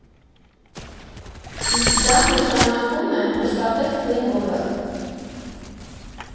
Իսկ դա նշանակում է՝ մշտապես թույն որակ։